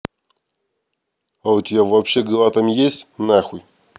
а у тебя вообще голова там есть нахуй